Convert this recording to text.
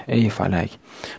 ey falak